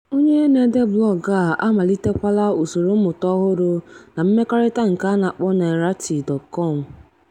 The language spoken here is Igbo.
Onye na-ede blọọgụ a amalitekwala usoro mmụta ọhụrụ na mmekorita nke a na-akpọ 9rayti.com.